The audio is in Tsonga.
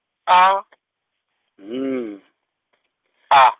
A N A.